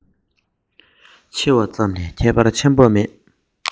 ཆེ བ ཙམ ལས ཁྱད པར ཆེན པོ མེད པ